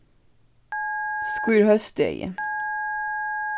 skírhósdegi